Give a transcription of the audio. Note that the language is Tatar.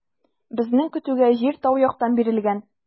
Безнең көтүгә җир тау яктан бирелгән.